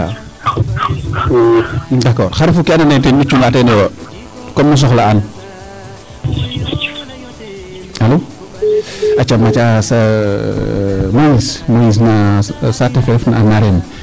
D' accord xa refu ke andoona yee ten nu cungaateenooyo comme nu soxla'aan alo aca Mathiase Moise no saate fee refna a Nareem.